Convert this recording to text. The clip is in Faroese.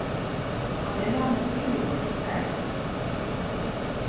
kann eg læna skriviborðið hjá tær